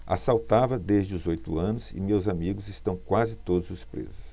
assaltava desde os oito anos e meus amigos estão quase todos presos